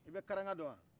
i bɛ karanka dɔ wa